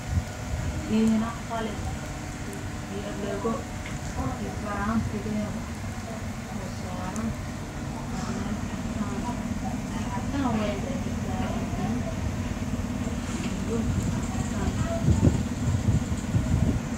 Waa miis cadaan waxaa saaran faraantii wayna midabkoodu yahay caddaan